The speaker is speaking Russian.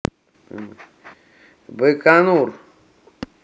байконур